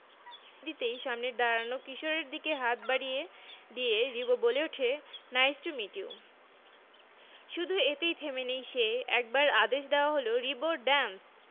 দিতেই সামনের দাঁড়ানো কিশোরের দিকে হাত বাড়িয়ে দিয়ে রিবো বলে উঠে নাইস টু মিট ইউ শুধু এতেই থেমে নেই সে একবার আদেশ দেওয়া হলো রিবো ড্যান্স